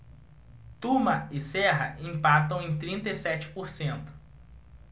tuma e serra empatam em trinta e sete por cento